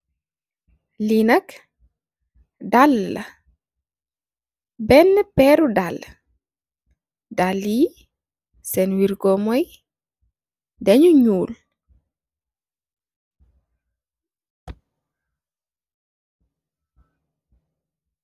Lii nak daalë la, beenë peeri daalë la. Daalë yi seen culoor dafa ñuul.